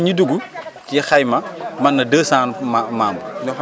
ren ñi dugg ci xayma mot na 200 mem membres